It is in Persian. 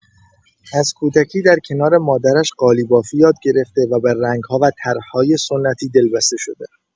از کودکی در کنار مادرش قالی‌بافی یاد گرفته و به رنگ‌ها و طرح‌های سنتی دلبسته شده.